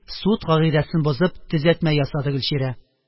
Суд кагыйдәсен бозып, төзәтмә ясады гөлчирә.